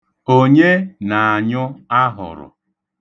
Onye na-anyụ ahụrụ?